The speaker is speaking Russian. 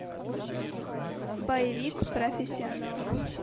боевик профессионал